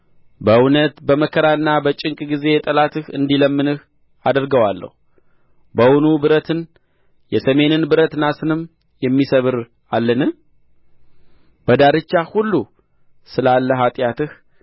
በእውነት በመከራና በጭንቅ ጊዜ ጠላትህ እንዲለምንህ አደርገዋለሁ በውኑ ብረትን የሰሜንን ብረት ናስንም የሚሰብር አለን በዳርቻህ ሁሉ ስላለ ኃጢአትህ